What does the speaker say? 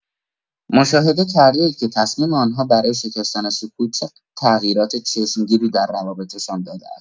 مشاهده کرده‌اید که تصمیم آن‌ها برای شکستن سکوت، چه تغییرات چشمگیری در روابطشان داده است.